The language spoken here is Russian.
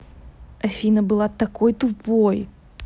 афина была такой тупой